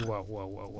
waaw waaw waaw